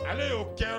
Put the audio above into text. Ale y'o kɛ